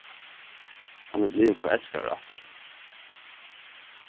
hann er blivin forelskaður aftur